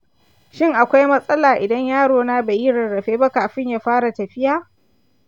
shin akwai matsala idan yarona bai yi rarrafe ba kafin ya fara tafiya